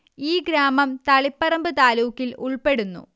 ഈ ഗ്രാമം തളിപ്പറമ്പ് താലൂക്കിൽ ഉൾപ്പെടുന്നു